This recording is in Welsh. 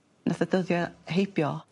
nath y dyddia' heibio...